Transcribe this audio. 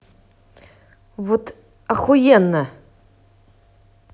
вот охуенно